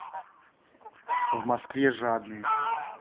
в москве жадные